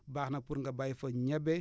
baax na pour nga béy fa ñebe